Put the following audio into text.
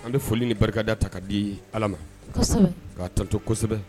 An bɛ foli ni barikada ta' di ala ma k'a tɔnto kosɛbɛ